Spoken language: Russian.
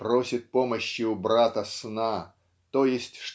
просит помощи у брата-сна т. е.